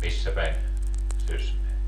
missä päin Sysmää